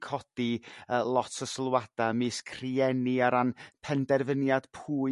codi yrr lot o sylwada' misg rhieni ar ran penderfyniad pwy